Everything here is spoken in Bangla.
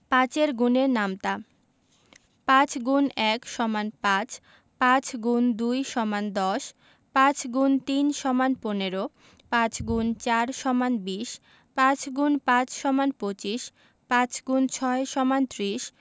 ৫ এর গুণের নামতা ৫× ১ = ৫ ৫× ২ = ১০ ৫× ৩ = ১৫ ৫× ৪ = ২০ ৫× ৫ = ২৫ ৫x ৬ = ৩০